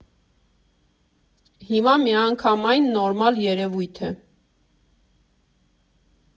Հիմա միանգամայն նորմալ երևույթ է։